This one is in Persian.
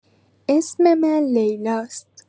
اسم من لیلاست.